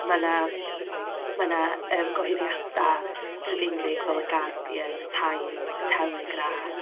Mae 'na... 'ma 'na yym gyhoeddiada Prydeinig fel y Guardian, y Times, y Telegraph.